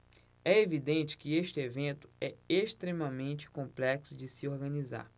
é evidente que este evento é extremamente complexo de se organizar